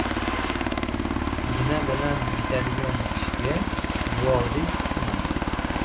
igna bilan bitadigan ishga juvoldiz tiqma